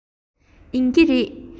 ཡིན གྱི རེད